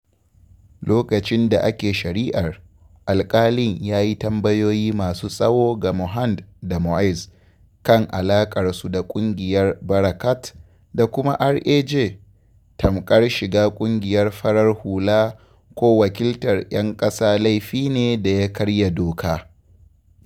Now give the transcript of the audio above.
Lokacin da ake shari’ar, alƙalin ya yi tambayoyi masu tsawo ga Mohand da Moez kan alaƙar su da ƙungiyar “Barakat!” da kuma RAJ, tamkar shiga ƙungiyar farar hula ko wakiltar ‘yan ƙasa laifi ne da ya karya doka.”